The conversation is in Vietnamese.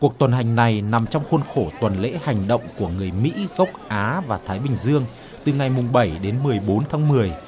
cuộc tuần hành này nằm trong khuôn khổ tuần lễ hành động của người mỹ gốc á và thái bình dương từ ngày mùng bảy đến mười bốn tháng mười